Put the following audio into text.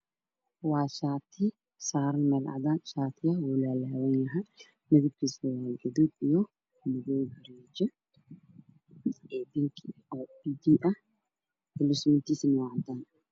Warashati saaran meel cadaan ah shatiga midabkiisu waa geduuti haddaan ku jiro kartaan